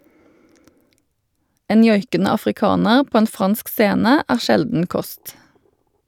En joikende afrikaner på en fransk scene, er sjelden kost.